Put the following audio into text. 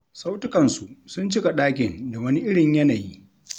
Sautukansu sun cika ɗakin da wani irin yanayi.